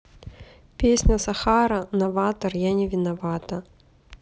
песня сахара новатор я не виновата